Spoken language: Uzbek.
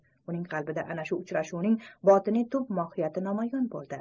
uning qalbida ana shu uchrashuvning botiniy tub mohiyati namoyon bo'ldi